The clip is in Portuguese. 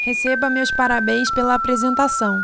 receba meus parabéns pela apresentação